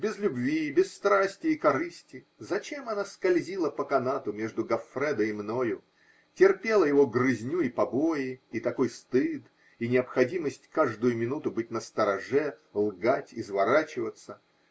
Без любви, без страсти и корысти, зачем она скользила по канату между Гоффредо и мною, терпела его грызню и побои и такой стыд, и необходимость каждую минуту быть настороже, лгать, изворачиваться?